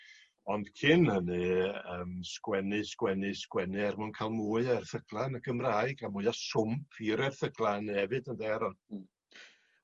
Ond cyn hynny yym sgwennu sgwennu sgwennu er mwn ca'l mwy o erthygla yn y Gymraeg a mwy o swmp ir erthygla 'ne efyd ynde ar y... Hmm.